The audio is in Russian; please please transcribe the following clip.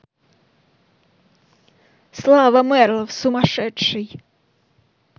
slava marlow сумасшедший